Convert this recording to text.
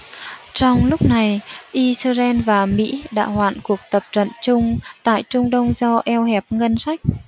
trong lúc này israel và mỹ đã hoãn cuộc tập trận chung tại trung đông do eo hẹp ngân sách